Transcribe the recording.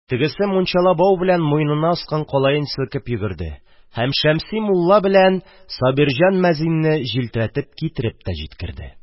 Тегесе мунчала бау белән муенына аскан калаен селкеп йөгерде һәм Шәмси мулла белән Сабирҗан мәзинне җилтерәтеп китереп тә җиткерде.